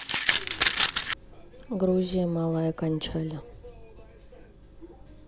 грузия малая кончали